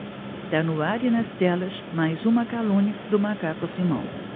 tá no ar e nas telas mais uma calúnia do macaco simão